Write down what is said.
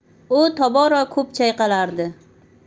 u tobora ko'p chayqalardi